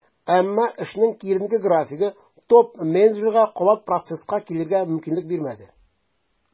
Әмма эшенең киеренке графигы топ-менеджерга кабат процесска килергә мөмкинлек бирмәде.